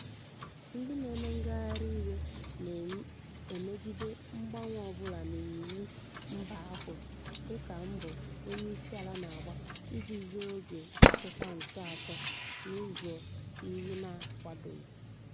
Ndị na-eme ngagharị iwe na-emegide mgbanwe ọ bụla n'iwu mba a hụrụ dịka mbọ onyeisiala na-agba iji zọọ oge nchịkwa nke atọ n'ụzọ iwu na-akwadoghị.